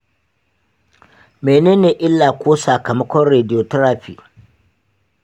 menene illa ko sakamakon radiotherapy?